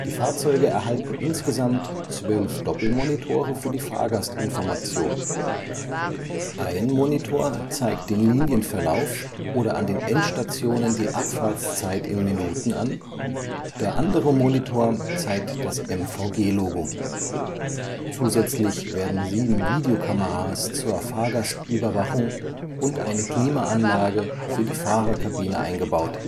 Fahrzeuge erhalten insgesamt zwölf Doppelmonitore für die Fahrgastinformation. Ein Monitor zeigt den Linienverlauf oder an den Endstationen die Abfahrtszeit in Minuten an, der andere Monitor zeigt das MVG-Logo. Zusätzlich werden sieben Videokameras zur Fahrgastüberwachung und eine Klimaanlage für die Fahrerkabine eingebaut